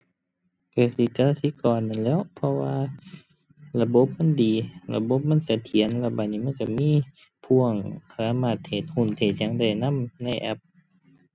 ก็สิกสิกรนั่นแหล้ว เพราะว่าระบบมันดี ระบบมันเสถียร แล้วบัดนี้มันก็มีพ่วง สามารถเทรดหุ้น เทรดหยังได้นำในแอป